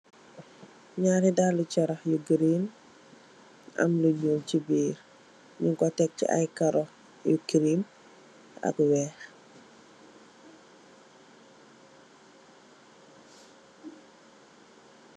Naari daali charah yu green, am lu ñuul chi biir, nung ko tekk chi ay karo yi kerim ak weeh.